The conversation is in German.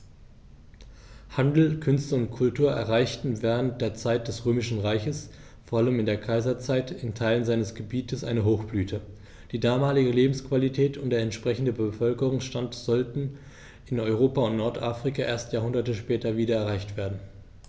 Handel, Künste und Kultur erreichten während der Zeit des Römischen Reiches, vor allem in der Kaiserzeit, in Teilen seines Gebietes eine Hochblüte, die damalige Lebensqualität und der entsprechende Bevölkerungsstand sollten in Europa und Nordafrika erst Jahrhunderte später wieder erreicht werden.